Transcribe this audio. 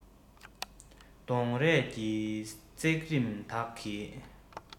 གདོང རས ཀྱི བརྩེགས རིམ བདག གིས